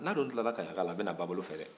n'a dun tila la kaɲaka la a bɛna babolo fɛ